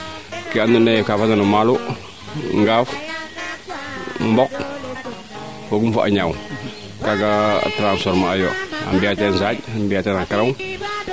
kee ando naye kaa farna no maalo ŋaaf mboq wogum fa'a ñaaw kaaga a tranfomer ayo a mbiya teen saaƴ a mbiya teen xa karaw